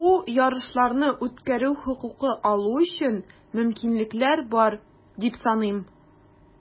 Бу ярышларны үткәрү хокукы алу өчен мөмкинлекләр бар, дип саныйм.